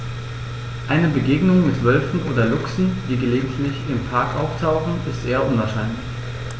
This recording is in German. Eine Begegnung mit Wölfen oder Luchsen, die gelegentlich im Park auftauchen, ist eher unwahrscheinlich.